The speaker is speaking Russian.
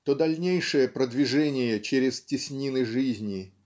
то дальнейшее продвижение через теснины жизни